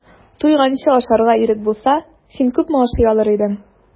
Туйганчы ашарга ирек булса, син күпме ашый алыр идең?